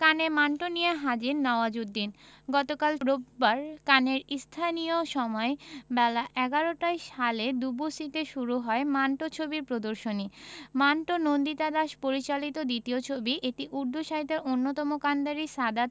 কানে মান্টো নিয়ে হাজির নওয়াজুদ্দিন গতকাল রোববার কানের স্থানীয় সময় বেলা ১১টায় সালে দুবুসিতে শুরু হয় মান্টো ছবির প্রদর্শনী মান্টো নন্দিতা দাস পরিচালিত দ্বিতীয় ছবি এটি উর্দু সাহিত্যের অন্যতম কান্ডারি সাদাত